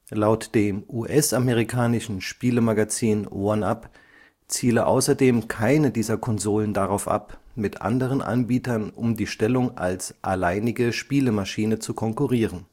Laut dem US-amerikanischen Spielemagazin 1UP ziele außerdem keine dieser Konsolen darauf ab, mit anderen Anbietern um die Stellung als alleinige Spielemaschine zu konkurrieren